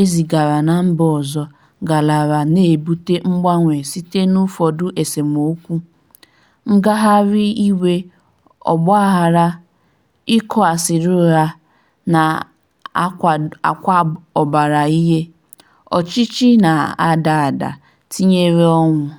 e zigara na mba ọzọ galara na-ebute mgbanwe site n'ụfọdụ esemokwu: ngagharị iwe, ogbaaghara, ị kụ asịrị ụgha na a kwakọbara ihe, ọchịchị na-ada ada, tinyere ọnwụ.